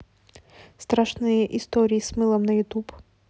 страшные истории с мылом на ютуб